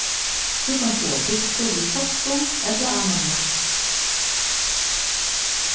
tú kanst fáa pitsu við soppum ella ananas